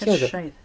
Persaidd.